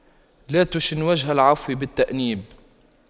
لا تشن وجه العفو بالتأنيب